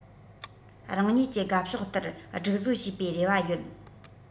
རང ཉིད ཀྱི དགའ ཕྱོགས ལྟར སྒྲིག བཟོ བྱས པའི རེ བ ཡོད